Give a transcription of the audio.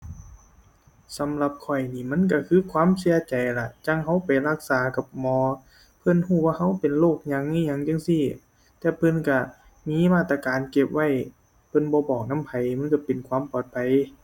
สำหรับข้อยนี่มันก็คือความเชื่อใจล่ะ จั่งก็ไปรักษากับหมอ เพิ่นก็ว่าก็เป็นโรคหยัง อิหยังจั่งซี้ แต่เพิ่นก็มีมาตรการเก็บไว้ เพิ่นบ่บอกนำไผมันก็เป็นความปลอดภัย